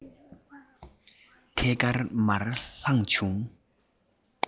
ལུས པོ ལྕི ཡང ཤོར བས སྐར ཁུང ནས